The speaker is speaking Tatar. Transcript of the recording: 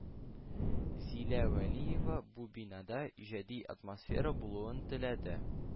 Зилә Вәлиева бу бинада иҗади атмосфера булуын теләде